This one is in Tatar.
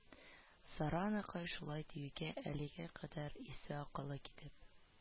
Сара анакай шулай диюгә, әлегә кадәр исе-акылы китеп,